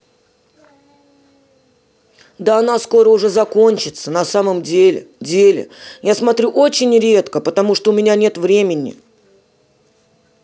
да она скоро уже закончится на самом деле деле я смотрю очень редко потому что у меня нет времени